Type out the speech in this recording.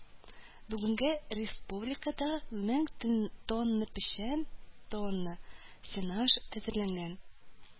Бүгенгә, республикада мең тонна печән тонна сенаж әзерләнгән